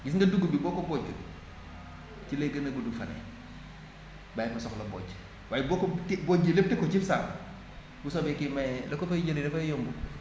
gis nga dugub bi boo ko bojjul ci lay gën a gudd fan bàyyi ba soxla bojj waaye boo ko bojjee lépp teg ko cib saaku bu soobee kiy maye la ko fay jëlee dafay yomb